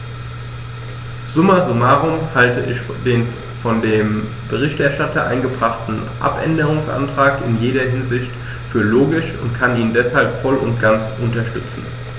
Summa summarum halte ich den von dem Berichterstatter eingebrachten Abänderungsantrag in jeder Hinsicht für logisch und kann ihn deshalb voll und ganz unterstützen.